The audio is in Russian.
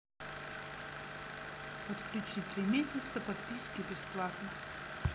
подключить три месяца подписки бесплатно